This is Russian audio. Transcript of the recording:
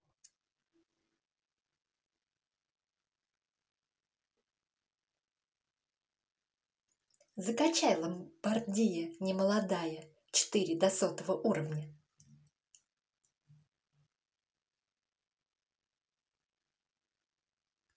закачай ломбардия немолодая четыре до сотого уровня